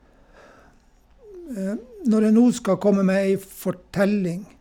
Når jeg nå skal komme med ei fortelling.